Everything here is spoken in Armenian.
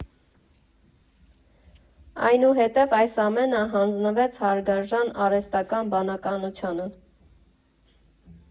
Այնուհետև այս ամենը հանձնվեց հարգարժան արհեստական բանականությանը։